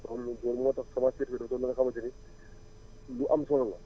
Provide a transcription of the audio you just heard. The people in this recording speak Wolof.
kon loolu moo tax semence certifiée dafa doon loo xamante ni lu am solo la